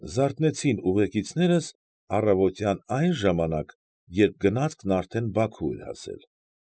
Զարթնեցին ուղեկիցներս առավոտյան այն ժամանակ, երբ գնացքն արդեն Բաքու էր հասել։